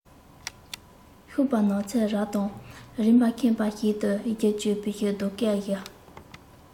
ཤུག པ ནགས ཚལ རབ དང རིམ པས ཁེངས པ ཞིག དུས བཞི གཅོད པའི རྡོ སྐས བཞིན